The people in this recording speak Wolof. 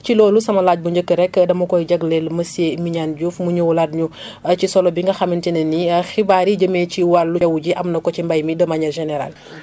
ci loolu sama laaj bu njëkk rek dama koy jagleel monsieur Mignane Diouf mu ñëwalaat ñu ci solo bi nga xamante ne nii xibaar yi jëmee ci wàllu jaww ji am na ko ci mbéy mi de manière générale